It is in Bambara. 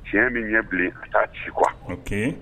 Tiɲɛ min ɲɛ bilen a taa ci kuwa kun kin